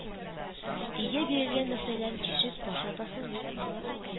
– өйгә бирелгән мәсьәләләрне чишеп, баш ватасың юк